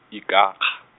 ikakga.